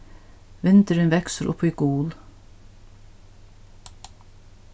vindurin veksur upp í gul